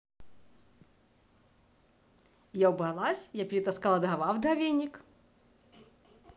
я убралась я перетаскала дрова в дровеник